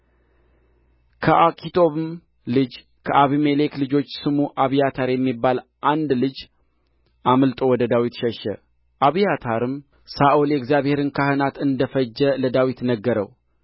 ከአኪጦብም ልጅ ከአቢሜሌክ ልጆች ስሙ አብያታር የሚባል አንዱ ልጅ አምልጦ ወደ ዳዊት ሸሸ አብያታርም ሳኦል የእግዚአብሔርን ካህናት እንደ ፈጀ ለዳዊት ነገረው